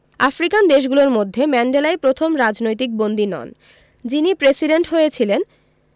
African দেশগুলোর মধ্যে ম্যান্ডেলাই প্রথম রাজনৈতিক বন্দী নন যিনি প্রেসিডেন্ট হয়েছিলেন